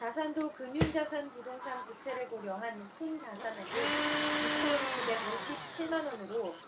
자산도 금융자산 부동산 부채를 고려한 순자산액은 육천 구백 오십 칠 만원으로